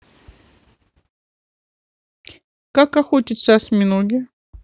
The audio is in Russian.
как охотятся осьминоги